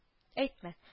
– әйтмә